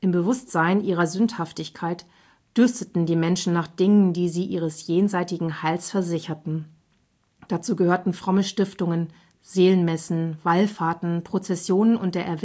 Bewusstsein ihrer Sündhaftigkeit dürsteten die Menschen nach Dingen, die sie ihres jenseitigen Heils versicherten. Dazu gehörten fromme Stiftungen, Seelenmessen, Wallfahrten, Prozessionen und der